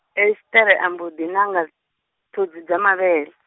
Esiṱere a mbo ḓi na nga, ṱhodzi dza mavhele.